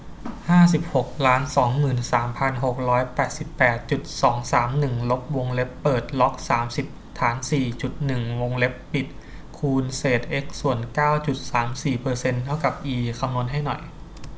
ห้าสิบหกล้านสองหมื่นสามพันหกร้อยแปดสิบแปดจุดสองสามหนึ่งลบวงเล็บเปิดล็อกสามสิบฐานสี่จุดหนึ่งวงเล็บปิดคูณเศษเอ็กซ์ส่วนเก้าจุดสามสี่เปอร์เซ็นต์เท่ากับอีคำนวณให้หน่อย